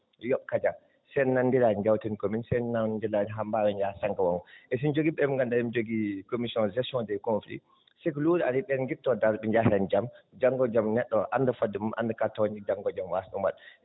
yoɓ kaaja sen nanonndiraani jawten commune so en nanonndiraani haa mbaawen yahde tan ko e so e njoginoɗen en joogii commission gestion des conseils si ko luure ari ɓen ngittoo dal ɓe njaha heen jam janngo e janngo neɗɗo oo annda fodde mum annda ko a tooñɗo janngo e janngo jom waasa ɗum waɗ